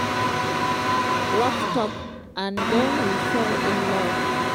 Tough talk 'and then we fell in love'